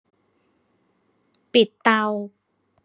ปิดเตา